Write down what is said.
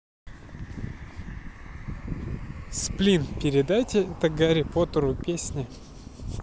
сплин передайте это гарри поттеру песня